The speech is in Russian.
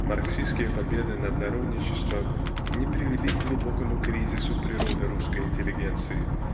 Марксистские победы над народничеством не привели к глубокому кризису природы русской интеллигенции